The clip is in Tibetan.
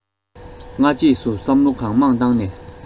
སྔ རྗེས སུ བསམ བློ གང མང བཏང ནས